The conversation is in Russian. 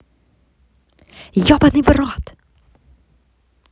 ебаный в рот